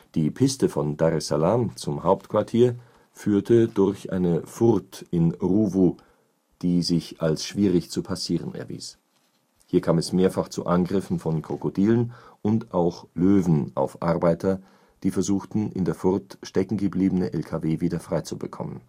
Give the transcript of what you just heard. Die Piste von Dar es Salaam zum Hauptquartier führte durch eine Furt im Ruvu, dies sich als schwierig zu passieren erwies. Hier kam es mehrfach zu Angriffen von Krokodilen und auch Löwen auf Arbeiter, die versuchten, in der Furt steckengebliebene LKW wieder frei zu bekommen